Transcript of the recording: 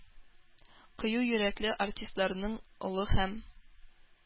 Кыю йөрәкле артистларның олы һәм